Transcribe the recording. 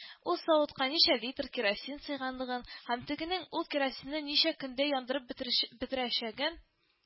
Ул савытка ничә литр керосин сыйганлыгын һәм тегенең ул керосинны ничә көндә яндырып бетере бетерәчәген